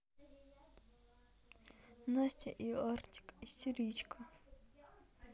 настя и artik истеричка